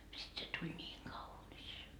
sitten se tuli niin kaunis